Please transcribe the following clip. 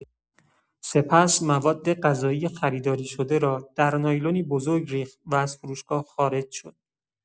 سپس موادغذایی خریداری‌شده را در نایلونی بزرگ ریخت و از فروشگاه خارج شد.